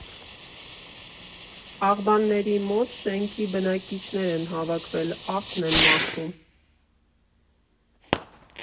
Աղբանների մոտ շենքի բնակիչներ են հավաքվել, աղբն են մաքրում։